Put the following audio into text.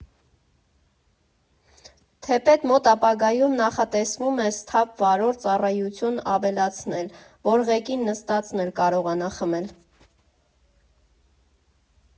Թեպետ մոտ ապագայում նախատեսվում է «սթափ վարորդ» ծառայություն ավելացնել, որ ղեկին նստածն էլ կարողանա խմել։